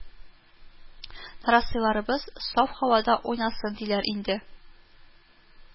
Нарасыйларыбыз саф һавада уйнасын диләр инде